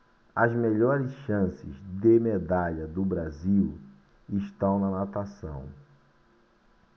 as melhores chances de medalha do brasil estão na natação